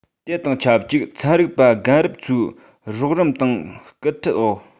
དེ དང ཆབས ཅིག ཚན རིག པ རྒན རབས ཚོའི རོགས རམ དང སྐུལ ཁྲིད འོག